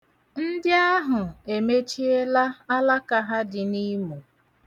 Ndị ahụ emechiela alaka ha dị n'Imo.